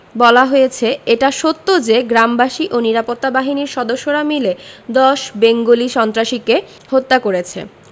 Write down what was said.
বলা হয়েছে এটা সত্য যে গ্রামবাসী ও নিরাপত্তা বাহিনীর সদস্যরা মিলে ১০ বেঙ্গলি সন্ত্রাসীকে হত্যা করেছে